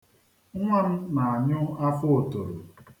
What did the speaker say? Nwa m na-anyụ afọ otoro